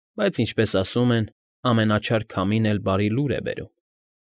Բայց, ինչպես ասում են, ամենաչար քամին էլ բարի լուր է բերում։